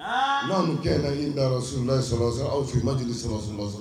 Naam man kɛlahila rasulilahi salalahu alehi wasalim aw sirimajili